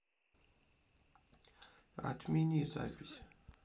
отмени запись